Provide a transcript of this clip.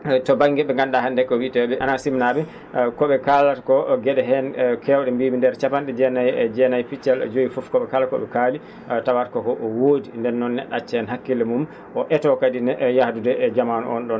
to ba?nge ?e nganndu?aa hannde ko wiitee?e ANACIM naa?e ko ?e kaalata koo ge?e heen keew?e mbiimi ndeer cappan?e jeenayi e jaenayi e piccal joyi fof ko ?e kala ko ?e kaali a tawat ko ko woodi ndeen noon ne??o acca heen hakkille mum oo etoo kadi yahdude e jamaanu oon ?oon